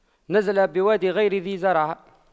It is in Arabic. نزل بواد غير ذي زرع